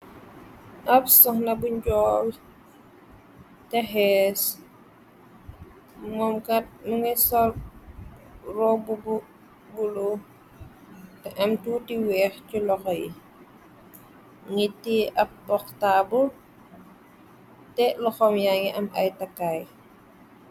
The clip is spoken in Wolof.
Ab shoxna bu njool, te xees, moomkat mu ngi sol robbu bu bulu te am tuuti weex ci loxé yi mungi tehe ab portabul te loxom yaa ngi am ay takaay.